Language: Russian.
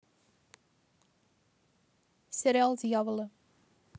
сериал дьяволы